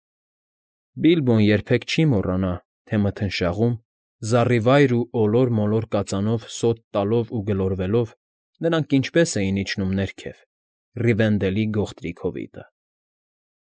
Բիլբոն երբեք չի մոռանա, թե մթնշաղում, զառիվայր ու ոլոր֊մոլոր կածանով սոթ տալով ու գլորվելով, նրանք ինչպես էին իջնում ներքև՝ Ռիվենդելի գողտրիկ հովիտը։